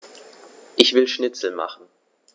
Ich will Schnitzel machen.